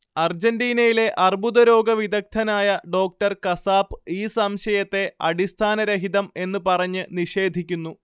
അർജന്റീനിയയിലെ അർബുദരോഗവിദഗ്ദനായ doctor Kasap ഈ സംശയത്തെ അടിസ്ഥാനരഹിതം എന്നു പറഞ്ഞ് നിഷേധിക്കുന്നു